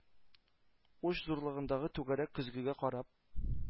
Уч зурлыгындагы түгәрәк көзгегә карап